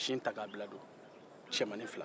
sintakabila don cɛmannin fila